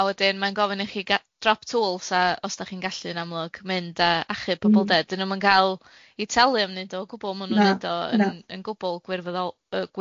A wedyn ma'n gofyn i chi ga- drop twls os 'da ci'n gallu'n amlwg mynd a achub bobol 'de di nw'm yn cal 'i talu am neud o o gwbl ma nw'n neud o'n ymm yn gwbwl gwirfoddol- y gwirfoddol.